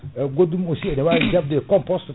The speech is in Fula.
goɗɗum aussi ne wawi jabde composte